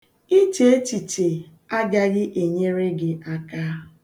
Iche echiche agaghị enyere gị aka.